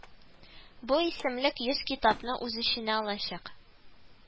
Бу исемлек йөз китапны үз эченә алачак